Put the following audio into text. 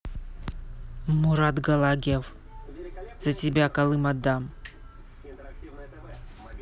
мурат галегов за тебя калым отдам